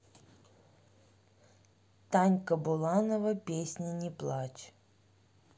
танька буланова песня не плачь